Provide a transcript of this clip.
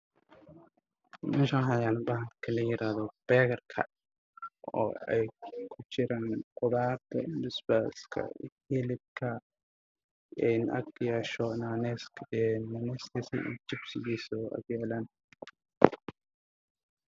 Waa miis waxaa saaran ambegar oo ay ku jiraan khudaar waxaa ogyahay cadaan ah